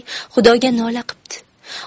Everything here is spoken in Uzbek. xudoga nola qipti